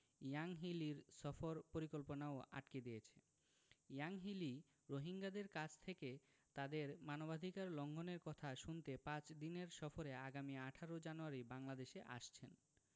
Yanghee লির সফর পরিকল্পনাও আটকে দিয়েছে ইয়াংহি লি রোহিঙ্গাদের কাছ থেকে তাদের মানবাধিকার লঙ্ঘনের কথা শুনতে পাঁচ দিনের সফরে আগামী ১৮ জানুয়ারি বাংলাদেশে আসছেন